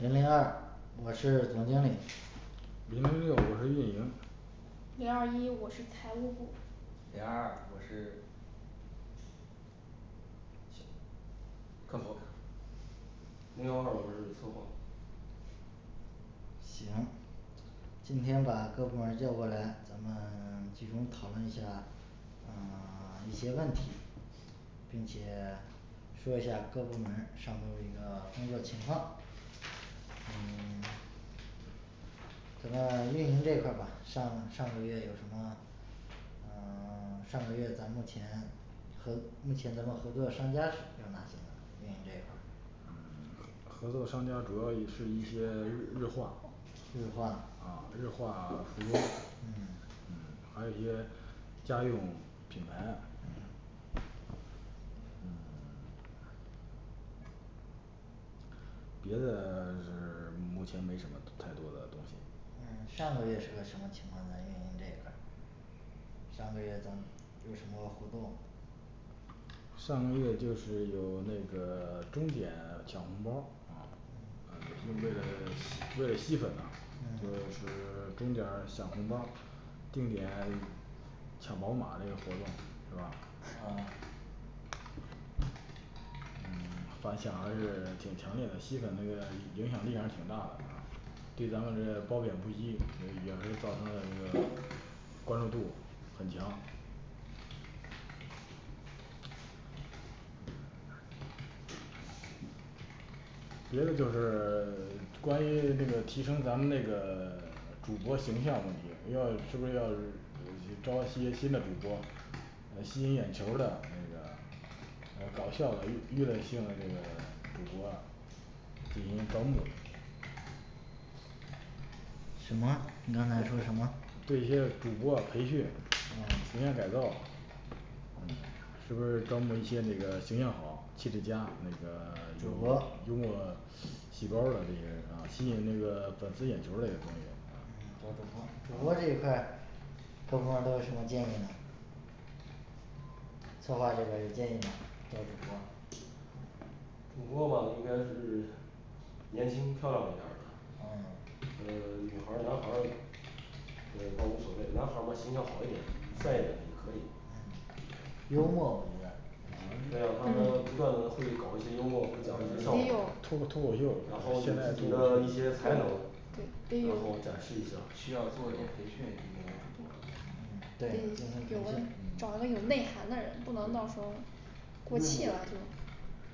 零零二我是总经理零零六我是运营零二一我是财务部零二二我是小 客客服服零幺二我是策划行。今天把各部门儿叫过来，咱们 集中讨论一下呃 一些问题，并且 说一下各部门儿上个月的一个工作情况嗯 咱们运营这块儿吧上上个月有什么嗯 上个月咱们目前和目前咱们合作的商家有哪些运营这块儿合作商家主要以是一些日日化日化啊日化 服装嗯嗯还有一些家用品牌嗯嗯 别的 是 目前没什么太多的东西嗯上个月是个什么情况咱运营这一块儿上个月咱有什么活动上个月就是有那个 钟点 抢红包儿啊呃就为了 为了吸粉啊就是钟点儿抢红包定点 抢宝马这个活动是吧啊嗯 反响还是 挺强烈的，吸粉这个 影响力还是挺大的啊对咱们这个褒贬不一也也是造成了这个关注度很强别的就是 关于那那个提升咱们这个 主播形象问题要是不是要去招一些新的主播来吸引眼球儿的那个 呃搞笑的娱乐性的那个 主播进行招募什么你刚才说什么啊对一些主播培训重新哦改造是不是招募一些那个形象好气质佳那个 主播幽默细胞儿的这个人呢吸引这个粉丝眼球儿的这个找主播主播这一块儿各部门儿都有什么建议呢策划这边儿有建议吗对主播主播的话应该是 年轻漂亮一点儿的哦呃女孩儿男孩儿呃倒无所谓男孩儿嘛形象好一点帅一点也可以幽默我觉得对呀嗯他们不得断地会搞一些幽默会讲一些笑话儿有脱脱口然秀后有自己的一些才能对得然有后展示一下儿需要做一些培训给那些主播对嗯对有个找一个有嗯内涵的人不能到时候儿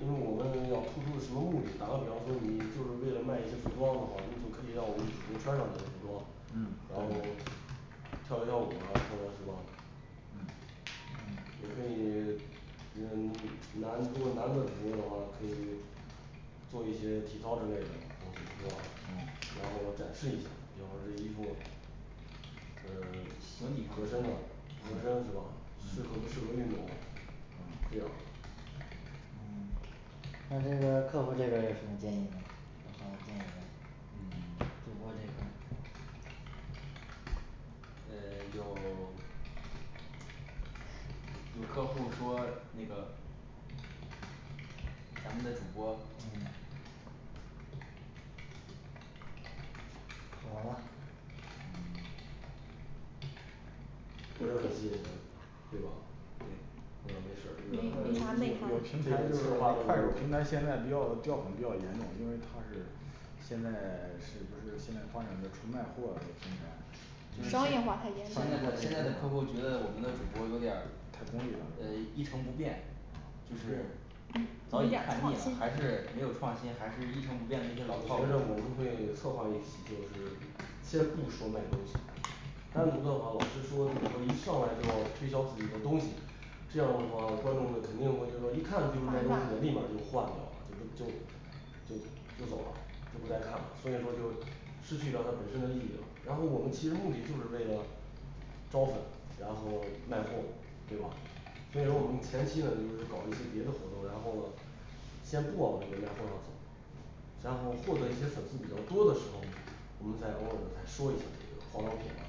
因为我们 要突出什么目的打个比方说你就是为了卖一些服装的话，你就可以让我们主播穿上这些服装嗯然后跳一跳舞啊或者是吧&嗯&&嗯&也可以 也嗯男对男的主播的话可以做一些体操之类的东西是吧&嗯&然后展示一下比方说这衣服呃形合体上身吗合身是吧适合不适合运动呢嗯嗯这样那这边儿客服这边儿有什么建议吗有好的建议吗主嗯播这块儿 呃 有 有客户儿说那个咱们的主播嗯怎么了嗯 不是很吸引人对吧对这个没事儿这没嗯有没啥内涵有个平 台这个就是策划快手儿平台现在比较掉粉比较严重因为他是现在 是不是现在发展的成卖货的平就是已经现在台了商业化太严重的现在的客户觉了得我们的主播有点儿太功呃一利性成不了变就是早有已点儿看创腻了新，还是没有创新，还是一成不变的一些，我老套路觉着我们会策划一起就是先不说卖东西，单独的话老实说就是说一上来就要推销自己的东西这样的话观众会肯定会就是说一换看下就是卖东西一个的立马儿就换掉了就不就就就走了就不再看了，所以说就失去了它本身的意义了，然后我们其实目的就是为了招粉然后了卖货对吧所以说我们前期呢就是搞一些别的活动，然后呢先不往这个卖货上走然后获得一些粉丝比较多的时候，我们再偶尔来说一下这个化妆品啊，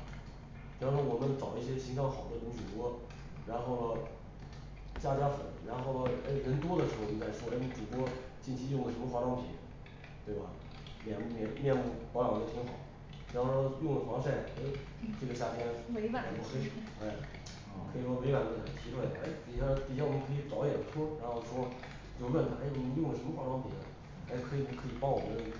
比方说我们找一些形象好的女主播然后了加加粉然后了诶人多的时候，我们再说诶主播近期用的什么化妆品，对吧脸面面部保养的挺好比方说她用了防晒，诶嗯这个夏天也不黑委婉地提出来哎 ，可以哦说委婉地给她提出来，诶底下底下我们可以找一点托儿，然后说就问他诶你用了什么化妆品啊诶可以不可以帮我们给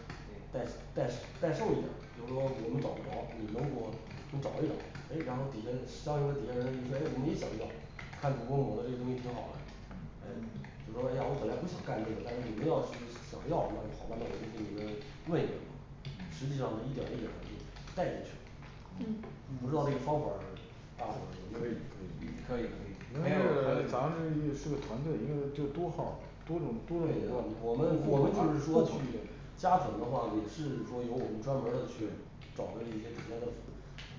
代代代售一点儿就是说我们找不着你能给我给找一找诶然后底下的相应的底下人一说诶我们也想要看主播抹的这个东西挺好的诶就说诶呀我本来不想干这个但是你们要是想要那好吧那我就给你们问一问吧实际上是一点儿一点儿的就给带进去了嗯不知道这方法儿 大伙儿有没有意可见以可唉以因为还有这 还咱有一们这是个个团队应该是就多号儿多种对多种啊多我互捧们我们啊就是互说捧去加粉的话也是说由我们专门儿的去找的一些底下的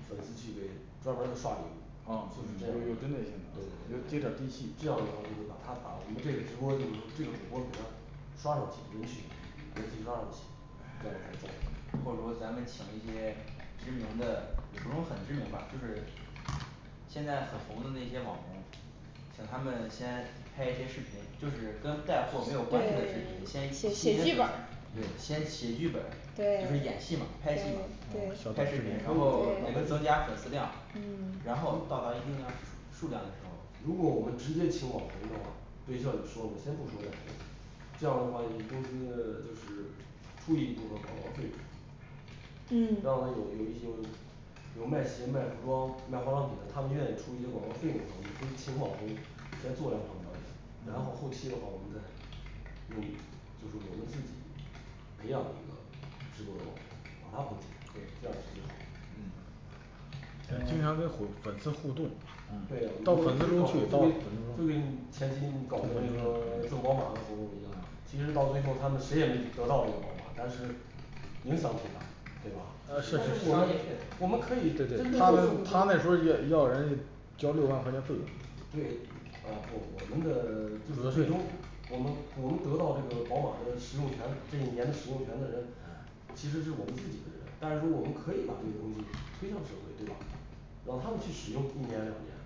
粉粉丝去给专门儿的刷礼物啊就是这这是样儿有对对针对性对对的接点儿地气这样的话就是把他把我们这个直播就是说这个主播给他刷上去人气人气刷上去这样的说或者说咱们请一些知名的也不用很知名吧就是现在很红的那些网红，请他们先拍一些视频，就是跟带货没对对对有关系的视对频，先写剧本儿对，先写剧本就对是演戏嘛、对拍戏嘛哦对小拍短视视频频可然后然以反后正增加是粉丝量然嗯后到达一定量数量的时候如果如果我们直接请网红的话就需要你说我先不说带货这样的话以公司 就是出一部分广告费嗯让他有有一有有卖鞋、卖服装卖化妆品的，他们愿意出一些广告费用的，我们可以请网红先做两场表演。然后后期的话我们再为就是我们自己培养一个直播的网红把他捧起来这对样是最好的嗯经常给诶粉粉丝互动对就给就给到了一定程度前期以后你搞的那个 赠宝马的活动一样其实到最后他们谁也没得到这个宝马，但是影响挺大对吧&啊那但是是是有对的也商业是&我噱头们可以真真正对他那他那儿不是也要正人就是交六万块钱费用对啊不我们的 就是最终我们我们得到这个宝马的使用权这一年的使用权的人其实是我们自己的人但是我们可以把这个东西推向社会对吧让他们去使用一年两年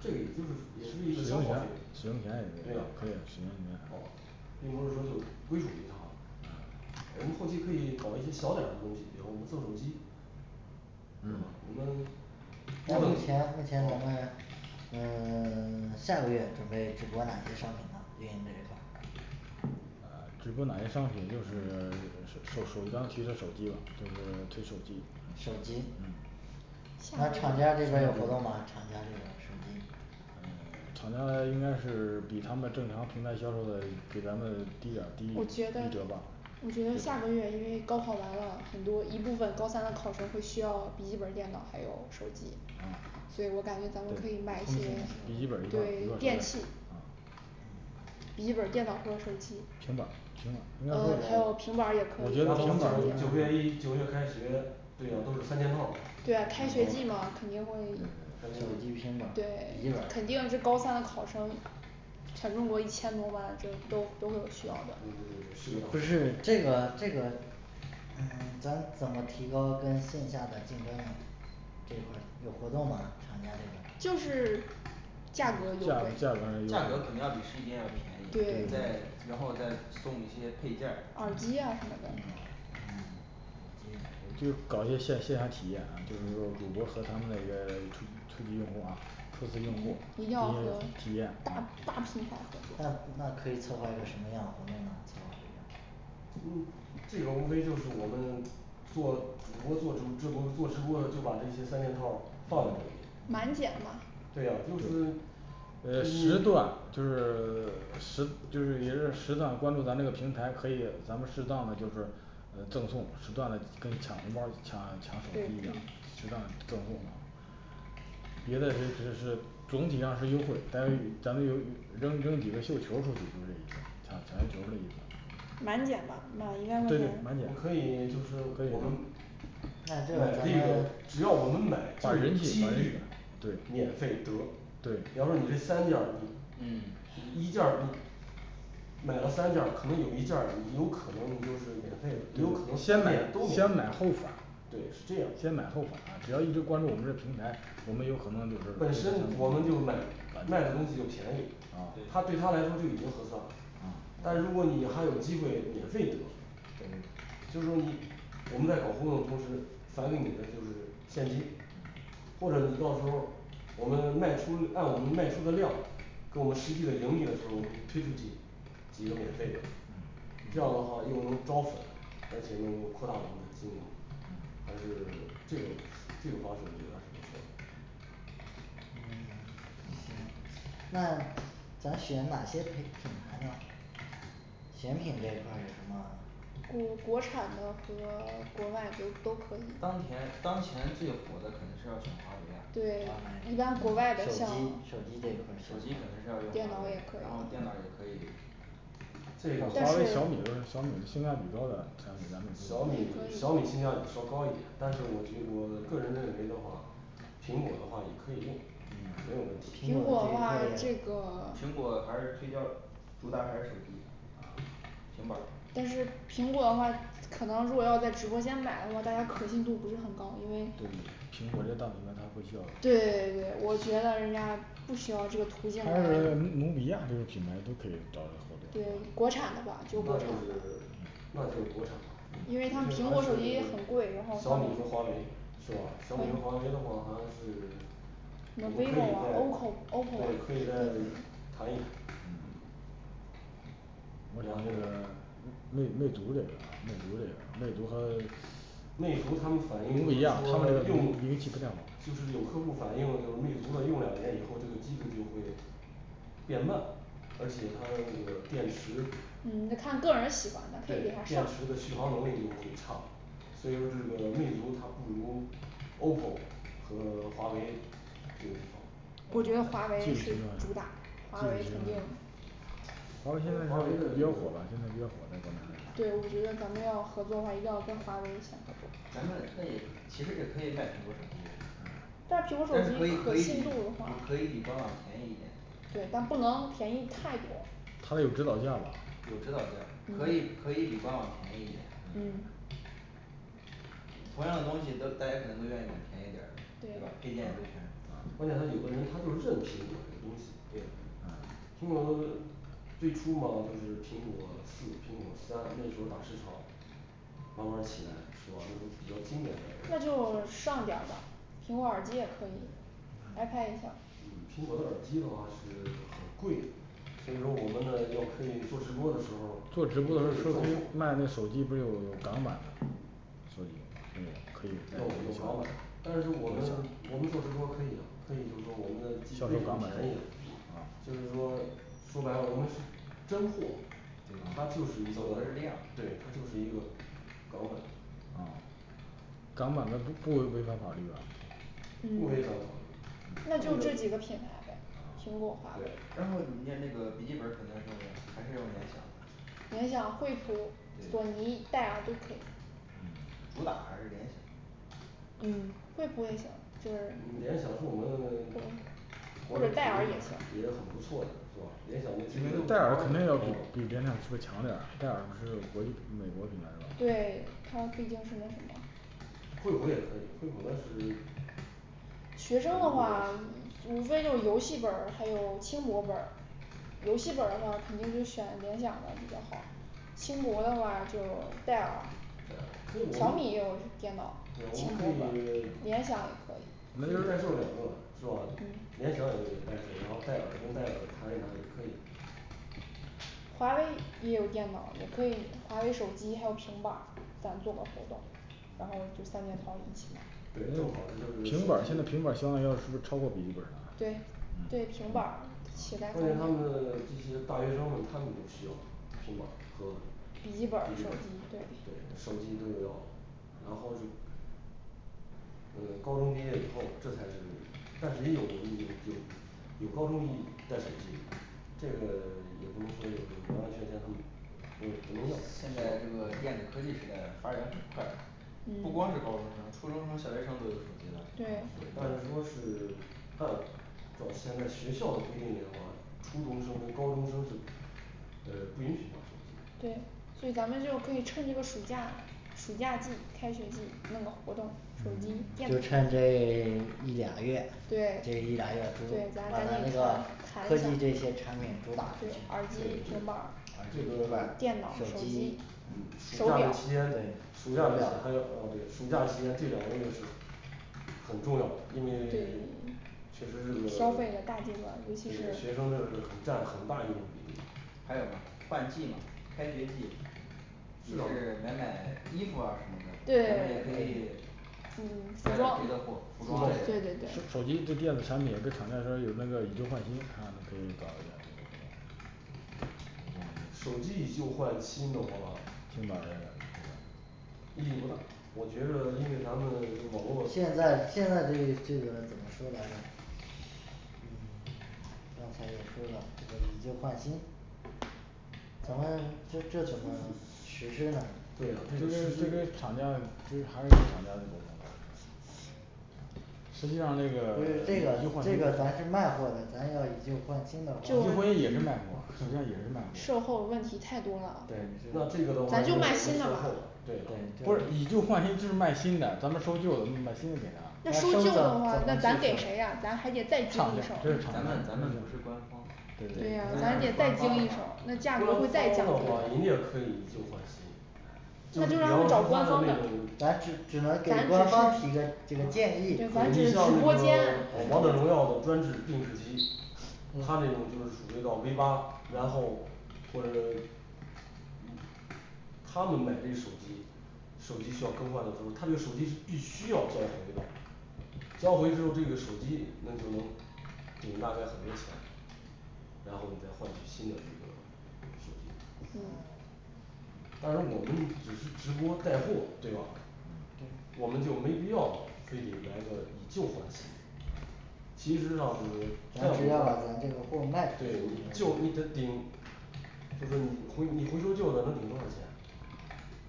这个也就是也是一个使消耗用权费使用权也对就啊是可以使用权啊啊并不是说就归属于他了我们后期可以搞一些小点儿的东西，比如我们送手机对嗯吧我们目前多目前送咱们啊嗯 下个月准备直播哪些商品呢运营这一块直播哪些商品就是 是就属刚提的手机吧呃 推手机手机嗯那下厂家儿个月这边儿有活动吗厂家这边儿手机呃 厂家 应该是比他们正常平台销售的比咱们低点儿低一我低觉一得折吧我觉得下个月因为高考完了很多一部分高三的考生会需要笔记本儿电脑还有手机嗯所以我感觉对通咱们可以讯卖一些嗯笔记本儿对啊电器笔记本儿电脑和手机平板儿呃还有平板儿也对可我以觉得然后平板儿九九月一九月开学对呀都是三件套儿对呀开学季嘛肯定会手机平板儿笔记对本 肯儿定这高三的考生全中国一千多万的都都都有需要的对对不对是对这是个这个个大嗯咱怎么提高跟线下的竞争呢这块有活动吗厂家这边儿就是 价价价格格优惠儿价上优格肯惠定要比实体店要便宜对再然后再送你一些配件儿耳机呀什么的嗯就搞一些线线下体验啊就是说主播和他们的一个初初级用户啊初次用户一一定些要和体验大啊大平台合那作那可以策划一些什么样的活动呢策划这边儿嗯嗯这个无非就是我们做主播做这这播做直播的就把这些三件套儿放在这里满减嘛对呀就是 呃时段就是 时就是也是适当关注咱这个平台可以咱就是适当的就是呃赠送适当嘞跟抢红包儿抢抢对手机一样可以适当的赠送下别的 呃是总体上是优惠但是咱们有扔扔几个绣球儿出去可不是这样啊赶紧问一下满减吧满一万块对对钱满你减可以就是我们买那这这咱个们只要我们买就有几率对免费得比对方说你这三件儿你嗯一件儿你买了三件儿可能有一件儿你有可能就是免费的也有可能先三买件都先买免后费的返对是这样先买后返只要一直关注我们的平台我们有可能就是本啊身我们就买卖的东西就便宜他对啊对他来说就已经合算了但如果你还有机会免费得对对，就是说你我们在搞活动同时返给你的就是现金嗯或者你到时候我们卖出按我们卖出的量，跟我们实际的盈利的时候，我们推出去几个免费的嗯这样的话又能招粉，而且能扩大我们的经营，嗯还是这个这个方式我觉得是不错的嗯行那咱选哪些品牌呢选品这一块儿有什么国国产的和国外的都可以当前当前最火的肯定是要选华为呀啊对华一为般手国外机嗯的手像机这块儿手选机可华能是为要用电华脑为也可然后电脑儿也可以以这个但华为是小米不是小米的性价比高点儿也小相米比来说小米可以性价比稍高一点但是我这个个人认为的话苹果的话也可以用嗯没有问题苹苹果果的话这一这块儿也个 苹果还是推销主打还是手机平板但儿是苹果的话可能如果要在直播间买的话大家可信度不是很高因为对对对苹果这大品牌他不需对对要对对对我觉得人家不需要这个途径还是而人努比亚这个品牌都可以找人合作对是吧国产的话就那国产吧就是 那就是国产吧我因推对为它还是苹果手机也很贵然后小米和华为是吧可小米和华为的以话还是 我什么们可以 vivo 啊oppo 再 oppo 对可以再谈一谈嗯嗯我觉然后得魅魅族的也可以魅族的也魅魅族族它他们 反应就不一是说样肯定用不一样就是有客户儿反应就是魅族的用两年以后这个机子就会变慢而且它的那个电池对嗯那看个人喜欢它可以给他上电池的续航能力就会变差所以说这是个魅族它不如oppo和华为这个地方我觉着华为是主打，华为肯定华为现在比较火吧现在比较火现对我在是觉得咱们要合作的话一定要跟华为一起来合咱们作那也可其实也可以卖苹果手机但苹果手但是可以机可可以与信度文不化可以比官网便宜一点对但不能便宜太多它得有指导价吧有指导价可以嗯可以比官网便宜一点嗯同样的东西都大家都肯能买便宜点儿的对吧对配件也都全关键嗯他有的人他就是认苹果这个东西对苹嗯果公司最初嘛就是苹果四苹果三那时候打市场慢慢儿起来是吧那比较经典那的呃就 上点儿吧苹果耳机也可以iPad也行嗯苹果的耳机的话是 很贵所以说我们呢要可以做直播的时候儿也做直播时可以候赠送卖那手机不是有港版的就也可以有送有港港版版但是我们我们做直播可以可以就是说我们的机子为什么便宜啊&& 就是说说白了我们是真货对对主要，它就是一个是量对它就是一个港版港版的不违违反法律吧不嗯违反法律 那就这几个品牌呗苹果华为对然后你那那个笔记本儿肯定是要用还是用联想的联想惠普索对尼戴尔都可以主打还是联想嗯惠普也行这嗯联是想不是我们 觉国的得名戴牌尔儿也也行很不错是吧我联想的机觉子哦得戴尔肯定要比比联想要强点儿戴尔是国美国品牌了对它毕竟是那什么惠普也可以，惠普的是 笔记本儿学生的话无非就游戏本儿，还有也轻行薄本儿游戏本儿的话肯定是选联想的比较好，轻薄的话就戴尔可以我们对我们可以可以代售两个戴尔小米也有电脑轻薄的联想也可以不是是吧联想也嗯代售然后戴尔跟戴尔谈一谈也可以华为也有电脑也可以华为手机还有平板儿咱们做个活动然后就三件套一起卖对正嗯好儿那就是平板儿现在平板个儿现手在机要这个超过笔记本儿了对嗯对平板儿携带或方者便他们的这些大学生们他们都需要平板儿和笔笔记记本本儿儿对手手机机都对得要然后这呃高中毕业以后这才是但是也有人有有高中一带手机的这个 也不能说 就是完完全全他们现不不能在要现在这个电子科技时代发展很快不光嗯是高中生、初中生小学生都有手机了对但是对说是按照现在学校规定严格初中生跟高中生是呃不允许拿手机对，所以咱们就可以趁这个暑假暑假季开学季弄个活动，手机电就子产趁品这 一俩月对这对一咱俩月中把咱咱这这个个抬科一下技这些产品都打出去儿耳机对对平板这个啊儿平电脑板手手机机 嗯手暑假表的期对间对对暑假手的啊表对暑假期间这两个月是很重要因为对 确实是个消费的大 阶段尤对其是学生们很占很大一部分比例还有吗换季嘛开学季也至少是买买衣服啊什么的咱们对也可以 服卖卖装别的货服装对对类对的书包手手机这些电子产品这厂家说有那个以旧换新啊看看能可以搞一下这个活动手机以旧换新的话就买意义不大我觉着因为咱们 网络现在现在这这个怎么说来着嗯 刚才就说了这个以旧换新咱们这这怎么能嗯实施啊对因为呀这个实因为施厂家对实际上那个不是这个 这个咱是卖货的咱要以旧换新的以话就旧是换对这新也是卖货首先也是卖售后货问题太多了那这个的话咱就我卖们新的售吧后对了不是以旧换新就是卖新的咱们收旧的卖新的给那他收旧的话那咱给谁啊咱还厂家就是厂家得再经一手就咱们咱们不是是官方人家是官方的话对呀对而且再经一手官方的话那人价格会再降家可以以旧换新就是但比这方要去说找他官的方那的种咱 只只能是咱只是对给官方提个这个建议可以像那个咱只是直播间呃王者荣耀的专制定制机他那种就是属于到V8然后或者 嗯他们买这手机，手机需要更换的时候，他这个手机是必须要交回的交回之后这个手机那就能顶大概很多钱然后你再换一新的这个 手机嗯但是我们只是直播带货对吧我们就没对必要非得来个以旧换新其实上这个在咱我们只要把们咱这个的货物卖出对去我你旧你觉的得就行顶就说你回你回收旧的能顶多少钱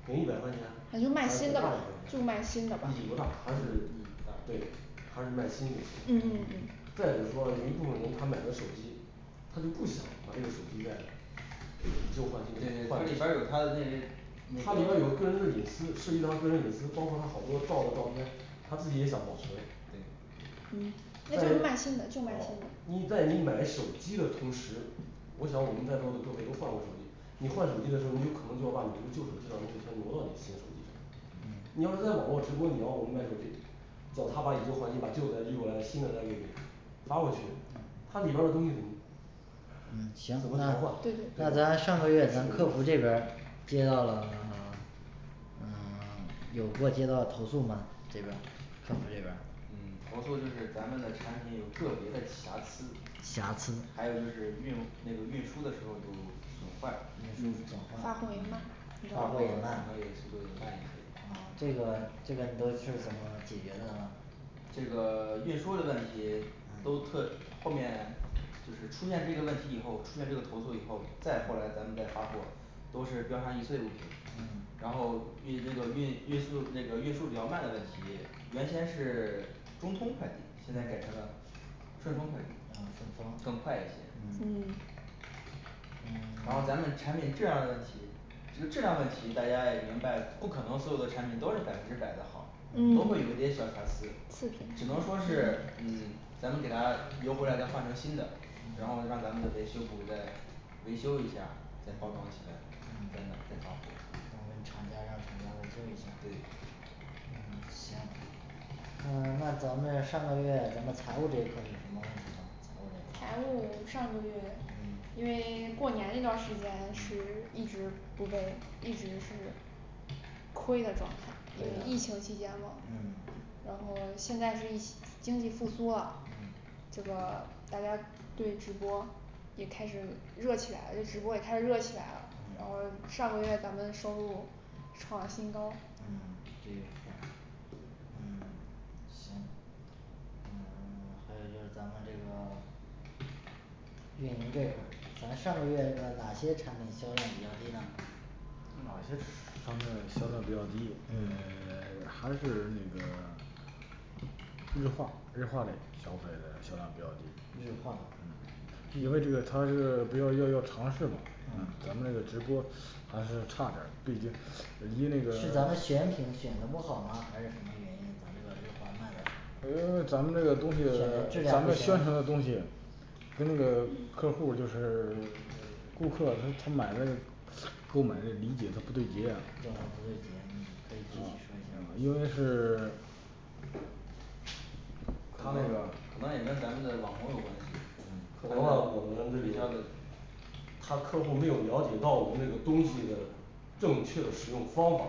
给一百块钱还还是就给二百卖块新的吧就卖钱意新的吧义不大还是对还是卖新就嗯行了嗯嗯再者说了一部分人他们买这手机他就不想把这个手机再以旧换对新对的换它回里去边儿有他那些那个它里边儿有个人的隐私，涉及他个人隐私，包括他好多照的照片他自己也想保存对嗯在啊那你就卖新的就卖新的在你买手机的同时我想我们在座的各位都换过手机，你换手机的时候，你有可能就要把你这个旧手机上东西全挪到你新手机上你嗯要是在网络直播，你要我们卖手机，叫他把以旧换新把旧的再运过来新的再给你发过去，它嗯里边儿的东西怎么嗯行怎么腾那换对对那对咱上个月咱客服这边儿接到了 呃 有过接到投诉吗这边儿客服这边儿嗯投诉就是咱们的产品有个别的瑕疵瑕疵还有就是运那个运输的时候有损坏嗯运输损坏发发货货也慢是也吧嗯速度也慢慢啊一些这个这个你都是怎么解决的呢这个 运输的问题都特后面就是出现这个问题以后，出现这个投诉以后，再后来咱们再发货，都是标上易碎物品嗯然后运这个运运输那个运输比较慢的问题，原先是中通快递，现在改成了顺丰快递啊啊啊。更顺丰快一嗯些嗯嗯然后咱嗯 们产品质量的问题，这个质量问题大家也明白，不可能所有的产品都是百分之百的好，都会有嗯一点小瑕疵次，只品能说是嗯咱们给他邮回来的换成新的，然后嗯让咱们的维修部再维修一下儿再包装起来嗯嗯真的再发货对嗯厂家让厂家维修一下对嗯行嗯那咱们上个月咱们财务这一块儿有什么问题吗，财财务这块儿务上个月嗯因为过年那段儿时间是一直不被一直是亏的状亏态疫情期间的嘛嗯然后现在是疫经济复苏啦嗯这个 大家对直播也开始热起来了这直播也开始热起来了然后上个月咱们收入创新高嗯这一块儿嗯行啊 那个还有就是咱们这个 运营这块儿咱上个月的哪些产品销量比较低啊哪些商品销量比较低嗯呃 还是那个 日日化化这日日化化嘞消费销量比较低嗯因为这个它是比如要要尝试嘛咱们这个直播它还是差点儿毕竟那个是咱们 选品选的不好吗还是什么原因咱们这个日化卖呃的少咱们这个东西选的 质宣量不传的东西行跟那个客嗯户就是 顾客他他买了购买的理解他不对接啊怎么不对接你可以具体的说因一下儿吗为是 可可能能他也那个跟咱们的网红有关可能吧我们系这比里较的他客户没有了解到我们那个东西的正确的使用方法，